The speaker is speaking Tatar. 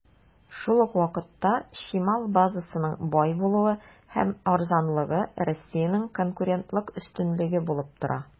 Шул ук вакытта, чимал базасының бай булуы һәм арзанлыгы Россиянең конкурентлык өстенлеге булып тора.